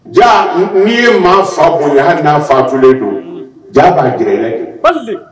Ja n'i ye maa fa bonya ye ha faatulen don ja b'ajɛ don